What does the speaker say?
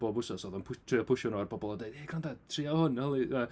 Bob wsos oedd o'n pws- trio pwsio nhw ar bobl a deud, "hei gwranda trio hwn, yli", ia.